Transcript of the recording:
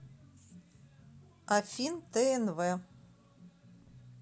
афин тнв